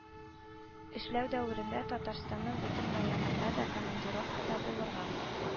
Эшләү дәверендә Татарстанның бөтен районында да командировкада булырга